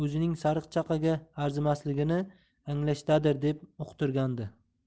o'zining sariqchaqaga arzimasligini anglashdadir deb uqtirgandi